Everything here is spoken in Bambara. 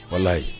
Wala